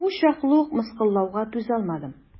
Бу чаклы ук мыскыллауга түзалмадым.